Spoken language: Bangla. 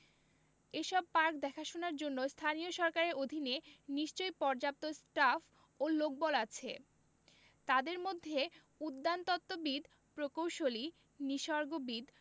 এসব পার্ক দেখাশোনার জন্য স্থানীয় সরকারের অধীনে নিশ্চয়ই পর্যাপ্ত স্টাফ ও লোকবল আছে তাদের মধ্যে উদ্যানতত্ত্ববিদ প্রকৌশলী নিসর্গবিদ